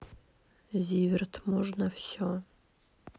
зиверт можно все